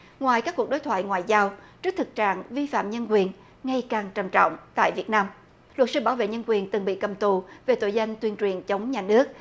ngoài các cuộc đối thoại ngoại giao trước thực trạng vi phạm nhân quyền ngày càng trầm trọng tại việt nam luật sư bảo vệ nhân quyền từng bị cầm tù về tội danh tuyên truyền chống nhà nước